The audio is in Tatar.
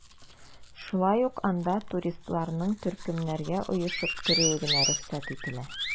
Шулай ук анда туристларның төркемнәргә оешып керүе генә рөхсәт ителә.